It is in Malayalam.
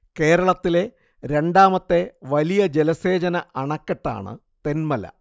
കേരളത്തിലെ രണ്ടാമത്തെ വലിയ ജലസേചന അണക്കെട്ടാണ് തെന്മല